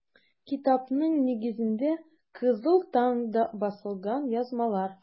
Китапның нигезендә - “Кызыл таң”да басылган язмалар.